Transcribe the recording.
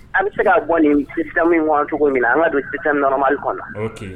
An bɛ se k ka bɔ ninda cogo min an ka don sitaɔnɔma kɔnɔ